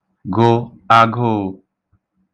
gụ agụụ̄